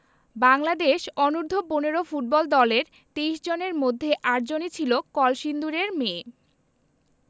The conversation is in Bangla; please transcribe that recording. বাংলাদেশ অনূর্ধ্ব ১৫ ফুটবল দলের ২৩ জনের মধ্যে ৮ জনই ছিল কলসিন্দুরের মেয়ে